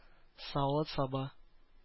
Савыт-саба